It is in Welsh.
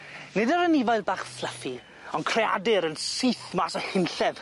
Nid yr anifail bach fluffy, on' creadur yn syth mas o hunllef.